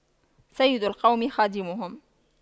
سيد القوم خادمهم